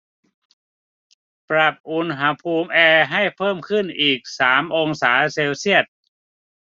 ปรับอุณหภูมิแอร์ให้เพิ่มขึ้นอีกสามองศาเซลเซียส